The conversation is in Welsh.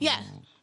Ie.